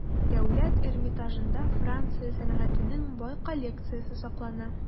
Дәүләт Эрмитажында Франция сәнгатенең бай коллекциясе саклана.